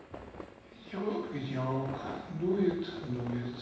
ветерок ветерок дует дует